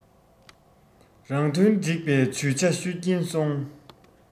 རང དོན སྒྲིག པའི ཇུས ཆ ཤོད ཀྱིན སོང